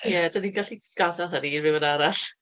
Ie, dan ni'n gallu gadael hynny i rywun arall.